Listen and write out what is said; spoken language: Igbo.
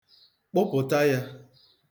Kpụpụta ya.